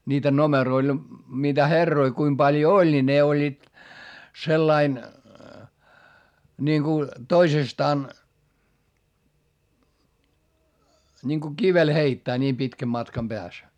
niitä numeroilla niitä herroja kuinka paljon oli niin ne olivat sellainen niin kun toisestaan niin kun kivellä heittää niin pitkän matkan päässä